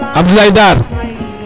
Abdoulaye Dar